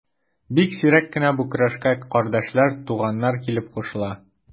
Бик сирәк кенә бу көрәшкә кардәшләр, туганнар килеп кушыла.